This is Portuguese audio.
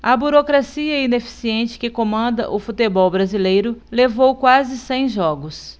a burocracia ineficiente que comanda o futebol brasileiro levou quase cem jogos